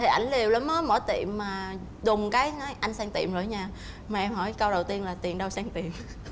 anh liều lắm á mở tiệm mà đùng một cái nói anh sang tiệm rồi đó nha mà em hỏi câu đầu tiên là tiền đâu sang tiệm